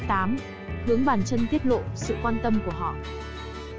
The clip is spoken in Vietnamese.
hướng bàn chân tiết lộ sự quan tâm của họ